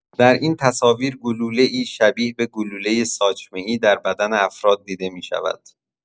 در این تصاویر گلوله‌ای شبیه به گلولۀ ساچمه‌ای در بدن افراد دیده می‌شود.